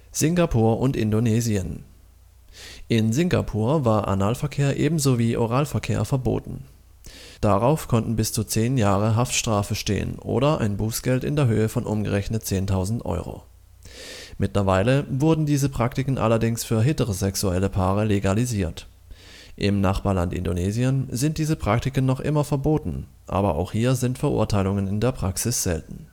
Singapur und Indonesien In Singapur war Analverkehr ebenso wie Oralverkehr verboten. Darauf konnten bis zu zehn Jahre Haftstrafe stehen oder ein Bußgeld in der Höhe von umgerechnet 10.000 Euro. Mittlerweile wurden diese Praktiken allerdings für heterosexuelle Paare legalisiert. Im Nachbarland Indonesien sind diese Praktiken noch immer verboten, aber auch hier sind Verurteilungen in der Praxis selten